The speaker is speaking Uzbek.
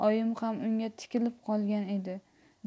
oyim ham unga tikilib qolgan edi